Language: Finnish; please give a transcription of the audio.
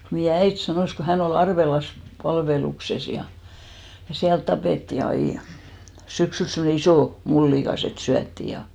meidän äiti sanoi kun hän oli Arvelassa palveluksessa ja ja siellä tapettiin aina syksyllä semmoinen iso mullikas että syötiin ja